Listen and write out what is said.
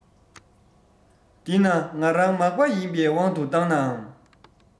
འདི ན ང རང མག པ ཡིན བའི དབང དུ བཏང ནའང